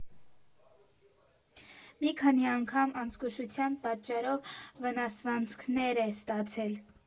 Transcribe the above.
Մի քանի անգամ անզգուշության պատճառով վնասվածքներ է ստացել։